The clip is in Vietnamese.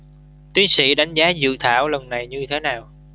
tiến sĩ đánh giá dự thảo lần này như thế nào